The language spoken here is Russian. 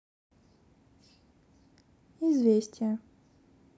известия